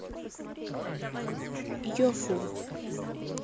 yofu